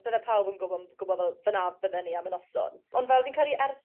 bydde pawb yn gwbo m- gwbo fel fyn 'na fydden i am y noson. On' fel fi'n credu ers